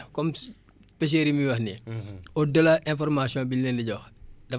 au delà information biñ leen di jox dafa am ay messages yu ñu leen di envoyé